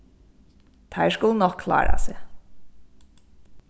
teir skulu nokk klára seg